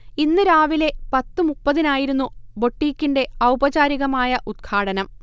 ഇന്ന് രാവിലെ പത്ത് മുപ്പതിനായിരുന്നു ബൊട്ടിക്കിന്റെ ഔപചാരികമായ ഉദ്ഘാടനം